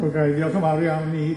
Wel gai ddiolch yn fawr iawn i...